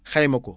xayma ko